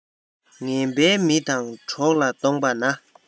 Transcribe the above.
ངན པའི མི དང གྲོགས ལ བསྡོངས པ ན